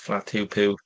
Fflat Huw Puw.